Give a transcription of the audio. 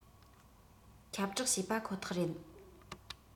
ཁྱབ བསྒྲགས བྱས པ ཁོ ཐག རེད